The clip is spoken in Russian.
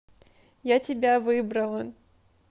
я тебя выбрала